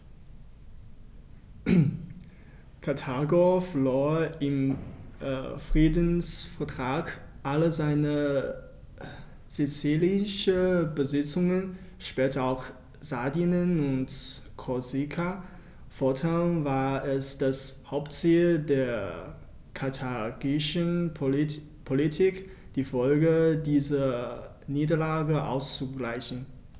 Karthago verlor im Friedensvertrag alle seine sizilischen Besitzungen (später auch Sardinien und Korsika); fortan war es das Hauptziel der karthagischen Politik, die Folgen dieser Niederlage auszugleichen.